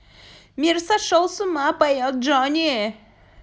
мир сошел с ума поет джонни